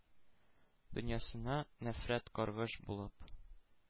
Дөньясына нәфрәт, каргыш булып